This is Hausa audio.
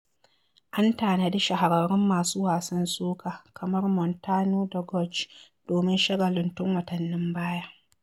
An tanadi shahararrun masu wasan soca kamar Montano da George domin shagalin tun watannin baya.